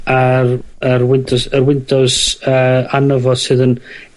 yr yr Windows yy arno fo sydd yn